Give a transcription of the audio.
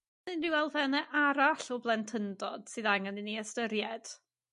Unrhyw elfenne arall o blentyndod sydd angen i ni ystyried?